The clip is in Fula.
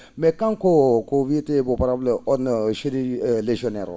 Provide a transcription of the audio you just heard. mais kanko ko wiyetee bo para* oon chenille légionnaire oo